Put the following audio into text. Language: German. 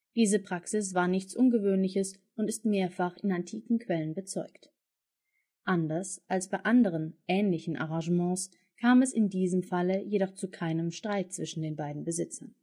Diese Praxis war nichts Ungewöhnliches und ist mehrfach in antiken Quellen bezeugt. Anders als bei anderen ähnlichen Arrangements kam es in diesem Falle jedoch zu keinem Streit zwischen beiden Besitzern